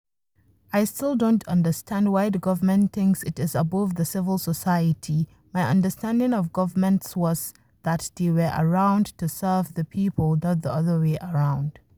I still don't understand why the government thinks it is above the civil society, my understanding of governments was that they were around to serve the people not the other way around.